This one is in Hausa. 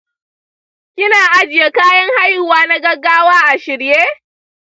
kina ajiye kayan haihuwa na gaggawa a shirye?